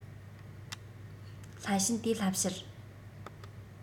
སླད ཕྱིན དེ བསླབ བྱར